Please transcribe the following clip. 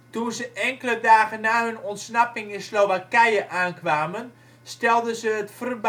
Toen ze enkele dagen na hun ontsnapping in Slowakije aankwamen, stelden ze het